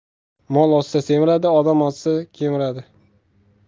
mol ozsa semiradi odam ozsa kemiradi